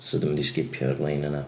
So dwi mynd i sgipio'r lein yna.